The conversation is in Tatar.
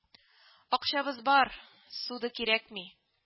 – акчабыз бар, ссуда кирәкми